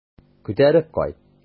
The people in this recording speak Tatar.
Күтәреп кайт.